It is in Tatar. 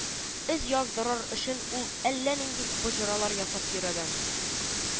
Эз яздырыр өчен ул әллә нинди боҗралар ясап йөрәгән